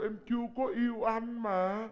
em chưa có yêu anh mà